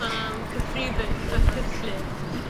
Yym cyfrifeg a cyllid.